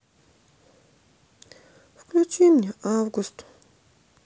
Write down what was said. включи мне август